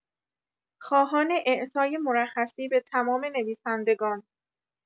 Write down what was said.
خواهان اعطای مرخصی به تمام نویسندگان